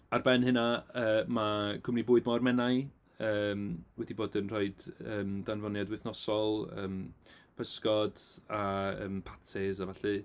Ar ben hynna yy ma' Cwmni Bwyd Môr Menai yym wedi bod yn rhoid yym danfoniad wythnosol, yym pysgod a pâtés a felly.